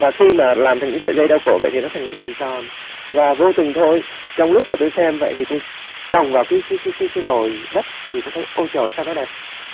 và khi mà làm thành những sợi dây đeo cổ vậy thì nó thành hình tròn và vô tình thôi trong lúc mà tôi xem vậy tôi chồng vào kí kí kí kí cái nồi đất thì tôi thấy ôi trời sao nó đẹp